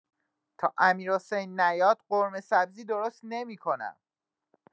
تا امیرحسین نیاد قورمه‌سبزی درست نمی‌کنم!